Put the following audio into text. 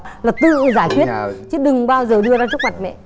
tự giải quyết chứ đừng bao giờ đưa ra trước mặt mẹ